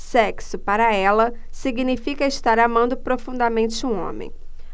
sexo para ela significa estar amando profundamente um homem